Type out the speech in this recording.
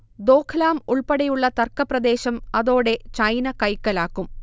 ദോഘ്ലാം ഉൾപ്പെടെയുള്ള തർക്കപ്രദേശം അതോടെ ചൈന കൈക്കലാക്കും